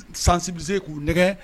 Sensibiliser k'u nɛgɛɛ